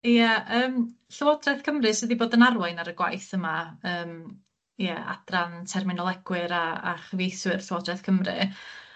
Ia yym Llywodraeth Cymru sy 'di bod yn arwain ar y gwaith yma yym ia adran terminolegwyr a a chyfieithwyr Llywodraeth Cymru